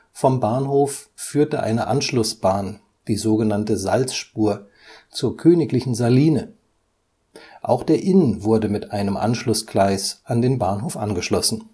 Vom Bahnhof führte eine Anschlussbahn, die sogenannte Salzspur, zur königlichen Saline, auch der Inn wurde mit einem Anschlussgleis an den Bahnhof angeschlossen